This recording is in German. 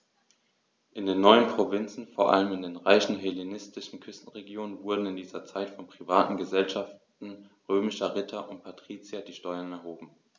In den neuen Provinzen, vor allem in den reichen hellenistischen Küstenregionen, wurden in dieser Zeit von privaten „Gesellschaften“ römischer Ritter und Patrizier die Steuern erhoben.